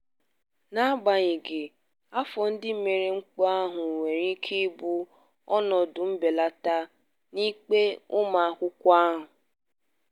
N'agbanyeghị, afọ ndị mere mpụ ahụ nwere ike ịbụ "ọnọdụ mbelata" n'ikpe ụmụakwụkwọ a.